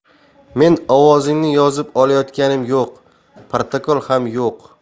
men ovozingni yozib olayotganim yo'q protokol ham yo'q